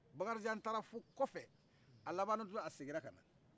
bakarijan taara fo kɔfɛ a laba tun a seginna ka na